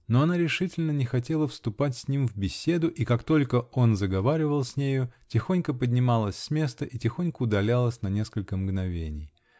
но она решительно не хотела вступать с ним в беседу, и как только он заговаривал с нею -- тихонько поднималась с места и тихонько удалялась на несколько мгновений .